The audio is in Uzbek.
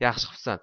yaxshi qipsan